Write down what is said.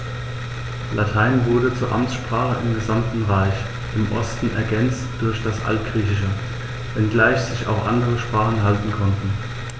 Latein wurde zur Amtssprache im gesamten Reich (im Osten ergänzt durch das Altgriechische), wenngleich sich auch andere Sprachen halten konnten.